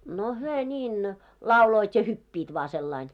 no he niin lauloivat ja hyppivät vain sillä lailla